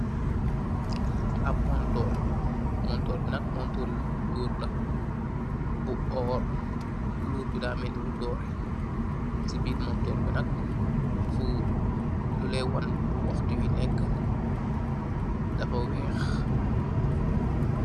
Ab montorr bi nak montorr ri goor la bu orr qulor bi da melni lu dooreh ci biir montorr bi nak fu lollay won wahto wee fa weex.